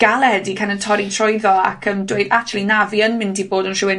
galed i kind of torri trwyddo ac yn dweud actually na fi yn mynd i bod yn rhywun